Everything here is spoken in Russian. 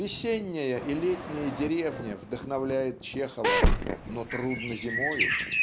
Весенняя и летняя деревня вдохновляет Чехова, но трудно зимою